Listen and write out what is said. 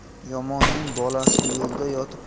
yomonning bolasi yo'lda